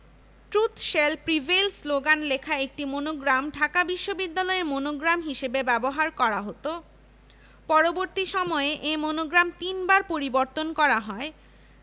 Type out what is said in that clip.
মাত্র নয় লক্ষ টাকা বিশ্ববিদ্যালয়কে প্রদান করেন তাঁর যুক্তি ছিল যে ঢাকা বিশ্ববিদ্যালয় প্রচুর সরকারি ইমারত ও বিস্তর জায়গা জমি বাংলা সরকারের কাছ থেকে পেয়েছে